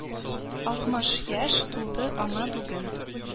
Алтмыш яшь тулды аңа бүген